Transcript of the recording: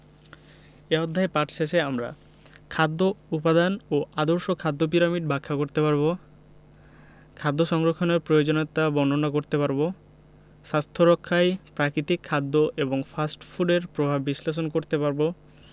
এ অধ্যায় পাঠ শেষে আমরা খাদ্য উপাদান ও আদর্শ খাদ্য পিরামিড ব্যাখ্যা করতে পারব খাদ্য সংরক্ষণের প্রয়োজনীয়তা বর্ণনা করতে পারব স্বাস্থ্য রক্ষায় প্রাকৃতিক খাদ্য এবং ফাস্ট ফুডের প্রভাব বিশ্লেষণ করতে পারব